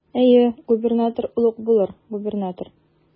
Әйе, губернатор олуг булыр, губернатор.